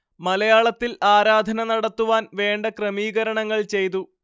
മലയാളത്തിൽ ആരാധന നടത്തുവാൻ വേണ്ട ക്രമീകരണങ്ങൾ ചെയ്തു